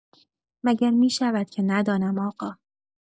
مگر می‌شود که ندانم آقا؟!